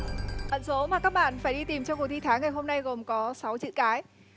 ẩn số mà các bạn phải đi tìm trong cuộc thi tháng ngày hôm nay gồm có sáu chữ cái